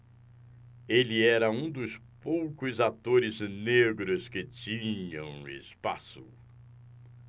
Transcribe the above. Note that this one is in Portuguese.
ele era um dos poucos atores negros que tinham espaço